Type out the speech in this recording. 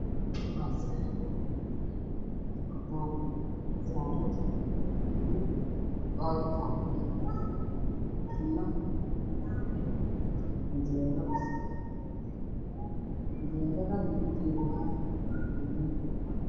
Waa saxan cadaan waxaa saaran canjeero kalkeeda iyo jaale waxaa saaran hilib ood ka saxan ka wadaan